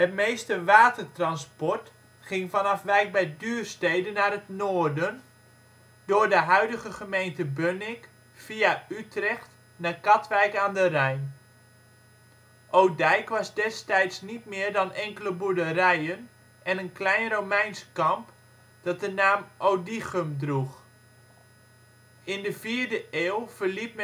meeste watertransport ging vanaf Wijk bij Duurstede naar het noorden, door de huidige gemeente Bunnik via Utrecht naar Katwijk aan de Rijn. Odijk was destijds niet meer dan enkele boerderijen en een klein Romeins kamp dat de naam Odichum droeg. In de vierde eeuw verliet